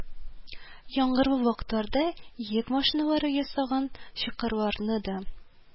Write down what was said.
Яңгырлы вакытларда йөк машиналары ясаган чокырларны да